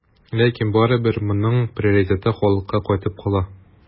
Ләкин барыбер моның приоритеты халыкка кайтып кала.